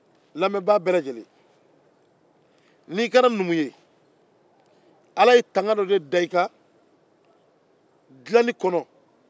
n'i kɛra numu ye ala ye tanga dɔ da i kan dilali kɔnɔ